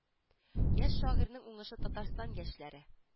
Яшь шагыйрьнең уңышы татарстан яшьләре